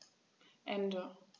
Ende.